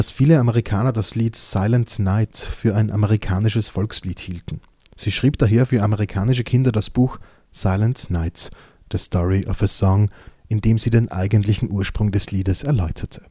viele Amerikaner das Lied " Silent Night " für ein amerikanisches Volkslied hielten. Sie schrieb daher für amerikanische Kinder das Buch " Silent Night. The Story of a Song ", in dem sie den eigentliche Ursprung des Liedes erläuterte